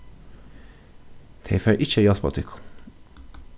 tey fara ikki at hjálpa tykkum